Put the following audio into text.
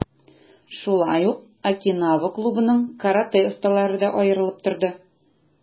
Шулай ук, "Окинава" клубының каратэ осталары да аерылып торды.